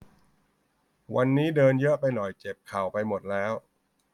วันนี้เดินเยอะไปหน่อยเจ็บเข่าไปหมดแล้ว